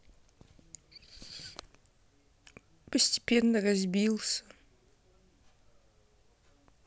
постепенно разбился